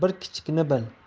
bir kichikni bil